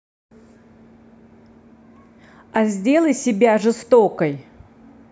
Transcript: а сделай себя жестокой